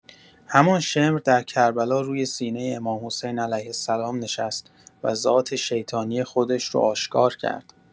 همان شمر در کربلا روی سینه امام‌حسین علیه‌السلام نشست و ذات شیطانی خودش رو آشکار کرد.